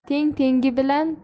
teng tengi bilan